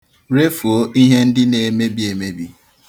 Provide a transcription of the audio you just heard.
Refuo ihe ndị na-emebi emebi.